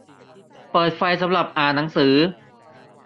เปิดไฟสำหรับอ่านหนังสือ